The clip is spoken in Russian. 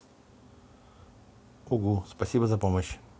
угу спасибо за помощь